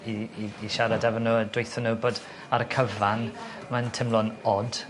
i i i siarad efo nw a dweutho nw bod ar y cyfan ma'n teimlo'n od